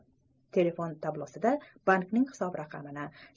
telefon tablosida bankning hisob nomerini